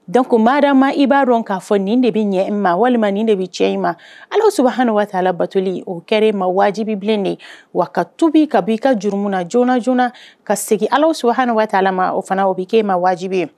Dɔnc madaama i b'a dɔn k'a fɔ nin de bɛ ɲɛ i ma, walima nin de bɛ cɛn in ma allah subahanahu wa taala batoli o kɛre'ma wajibi bilen de ye, wa ka tuubi ka bɔ i ka jurumu na joona joona , ka segin allah subahanahu wa taala ma o fana o bɛ k'e ma wajibi ye